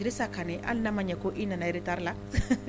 Sirasa ka an n'a ma ɲɛ ko i nana itari la